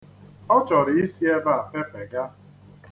Ọ chọrọ isi ebe a fefega.